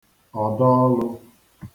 ọ̀dọọlụ